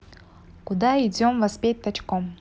куда идем воспеть точком